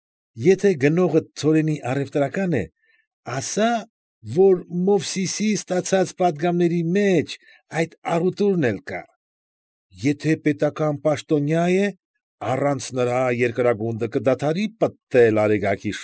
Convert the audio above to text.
Եթե գնոդդ ցորենի առևտրական է, ասա՛, որ Մովսիսի ստացած պատգամների մեջ այդ առուտուրն էլ կա. եթե պետական պաշտոնյա է, առանց նրան երկրագունդը կդադարի պտտվել արեգակի։